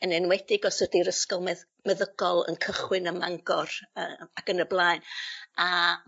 yn enwedig os ydi'r ysgol med- meddygol yn cychwyn ym Mangor yy ac yn y blaen a